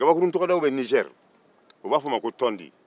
kabakurutɔgɔdaw bɛ nizɛri u b'a f'o ma ko tɔndi